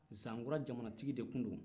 zankura jamanatigi de don